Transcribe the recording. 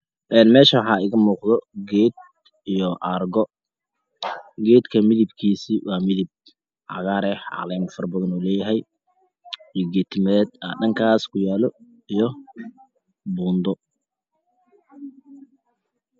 Een meshaan waxaa iga muuqdo geed iyo aargo geedka midabkiisa waa midab cagaar ah caleemo farabadn ayuu leeyahay iyo geed timireed aa dhankaas kuyaalo iyo buundo